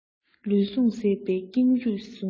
ལུས ཟུངས ཟད པའི ཀེང རུས གཟུགས བརྙན